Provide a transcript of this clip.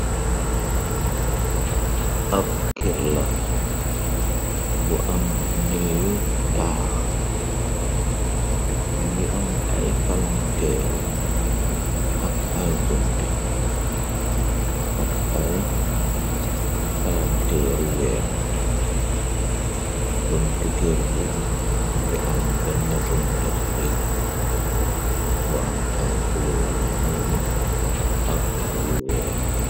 Ab kirla bu am nee gu taax mngi am ay palanteeri ak ay bunta ak ay palanteeri weer buntu kir bi ngi am benna bunta bu riy bu am ay klo yu nuuri ak wu weex.